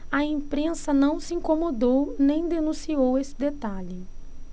a imprensa não se incomodou nem denunciou esse detalhe